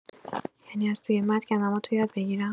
یعنی از توی متن کلماتو یاد بگیرم؟